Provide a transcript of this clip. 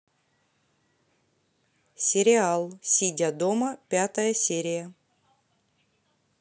сериал сидя дома пятая серия